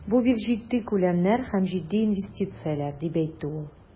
Бу бик җитди күләмнәр һәм җитди инвестицияләр, дип әйтте ул.